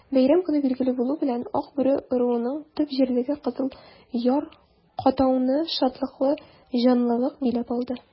Бәйрәм көне билгеле булу белән, Акбүре ыруының төп җирлеге Кызыл Яр-катауны шатлыклы җанлылык биләп алды.